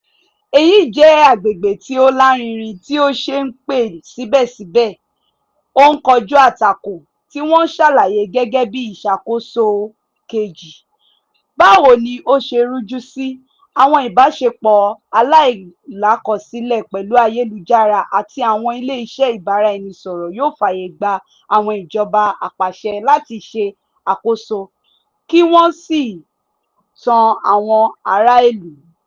Èyí jẹ́ agbègbè tí ó lárinrin tí ó ṣe pé síbẹ̀síbẹ̀ ó ń kojú àtakò, tí wọ́n ṣàlàyé gẹ́gẹ́ bíi "Ìṣàkóso 2.0": "...báwo ni ó se rújú sí, àwọn ìbáṣepọ̀ aláìlákọsílẹ̀ pẹ̀lú ayélujára àti àwọn ilé iṣẹ́ ìbáraẹnisọ̀rọ̀ yóò fàyè gba àwọn ìjọba apàṣẹ láti ṣe àkóso kí wọ́n ó sì tan àwọn ará ìlú.